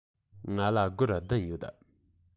ང ལ སྒོར བདུན ཡོད